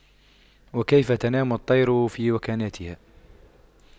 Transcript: وكيف تنام الطير في وكناتها